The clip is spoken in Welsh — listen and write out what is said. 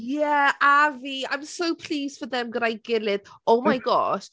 Ie! A fi, I'm so pleased for them gyda'i gilydd. Oh my gosh!